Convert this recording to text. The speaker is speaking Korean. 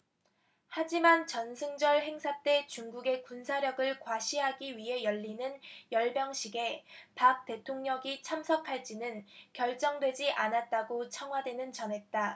하지만 전승절 행사 때 중국의 군사력을 과시하기 위해 열리는 열병식에 박 대통령이 참석할지는 결정되지 않았다고 청와대는 전했다